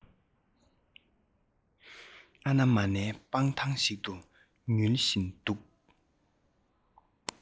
ཨ ན མ ནའི སྤང ཐང ཞིག ཏུ ཉུལ བཞིན འདུག